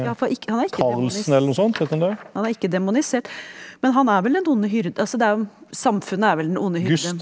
ja for ikke han er ikke han er ikke demonisert, men han er vel den onde hyrde altså det er jo samfunnet er vel den onde hyrden.